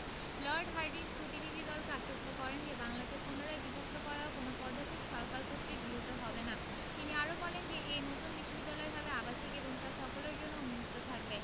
Lord Hardinge প্রতিনিধিদলকে আশ্বস্ত করেন যে বাংলাকে পুনরায় বিভক্ত করার কোনো পদক্ষেপ সরকার কর্তৃক গৃহীত হবে না তিনি আরও বলেন যে এ নতুন বিশ্ববিদ্যালয় হবে আবাসিক এবং তা সকলের জন্য উন্মুক্ত থাকবে